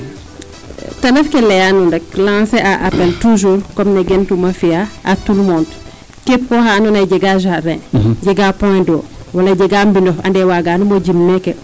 Ten ref keem laya nuun rek lancer a appel toujours comme ne gentuuma fi'aa a tout le monde keep oxa andoona yee jega jardin jega point d' eaau wala jega mbindof ande waagan o jem meeke.